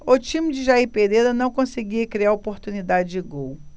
o time de jair pereira não conseguia criar oportunidades de gol